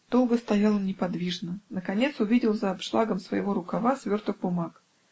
Долго стоял он неподвижно, наконец увидел за обшлагом своего рукава сверток бумаг